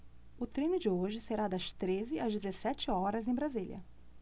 o treino de hoje será das treze às dezessete horas em brasília